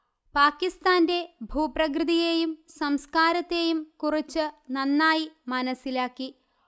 പാകിസ്താന്റെ ഭൂപ്രകൃതിയെയും സംസ്കാരത്തെയും കുറിച്ച് നന്നായി മനസ്സിലാക്കി